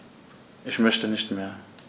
Ich möchte nicht mehr.